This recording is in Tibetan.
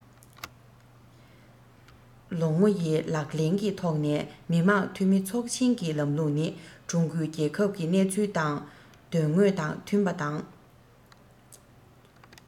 ལོ ངོ ཡི ལག ལེན གྱི ཐོག ནས མི དམངས འཐུས མི ཚོགས ཆེན གྱི ལམ ལུགས ནི ཀྲུང གོའི རྒྱལ ཁབ ཀྱི གནས ཚུལ དང དོན དངོས དང མཐུན པ དང